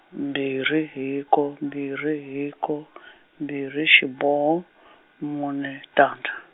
mbirhi hiko, mbirhi hiko , mbirhi xiboho, mune, tandza.